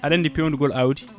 aɗa andi pewnugol awdi